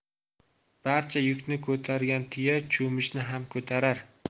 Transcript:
barcha yukni ko'targan tuya cho'michni ham ko'tarar